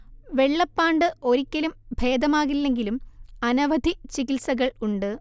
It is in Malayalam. വെള്ളപ്പാണ്ട് ഒരിക്കലും ഭേദമാകില്ലെങ്കിലും അനവധി ചികിത്സകൾ ഉണ്ട്